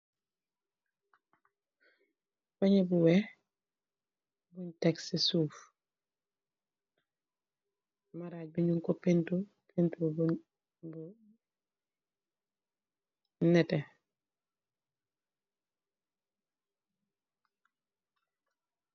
Pañe bu weex, buñg tek si suuf, maarax bi, ñung ko peentir, peentir bu, nétté.